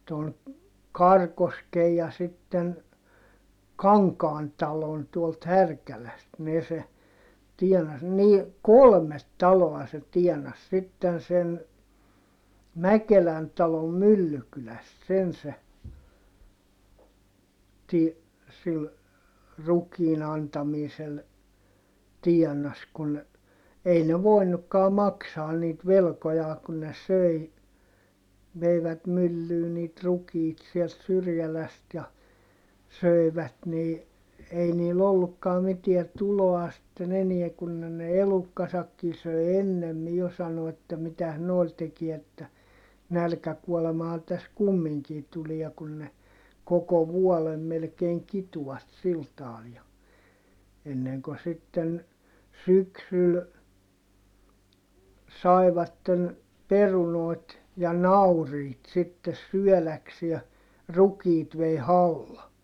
tuon Karikosken ja sitten Kankaan talon tuolta Härkälästä ne se tienasi niin kolme taloa se tienasi sitten sen Mäkelän talon Myllykylästä sen se - sillä rukiin antamisella tienasi kun ei ne voinutkaan maksaa niitä velkojaan kun ne söi veivät myllyyn niitä rukiita sieltä Syrjälästä ja söivät niin ei niillä ollutkaan mitään tuloa sitten enää kun ne ne elukkansakin söi ennemmin jo sanoivat että mitäs noilla teki että nälkäkuolemahan tässä kumminkin tulee kun ne koko vuoden melkein kitua sillä tavalla ja ennen kuin sitten syksyllä saivat perunoita ja nauriita sitten syödäkseen rukiit vei halla